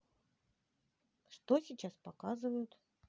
что сейчас показывают